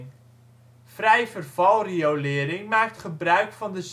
Vrijverval riolering maakt gebruik van de